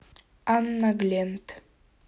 анна глент